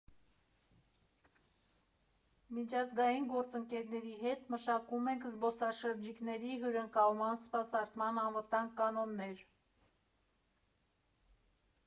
Միջազգային գործընկերների հետ մշակում ենք զբոսաշրջիկների հյուրընկալման, սպասարկման անվտանգ կանոններ։